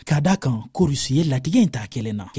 ka d'a kan ko rusi ye latigɛ in ta a kelen na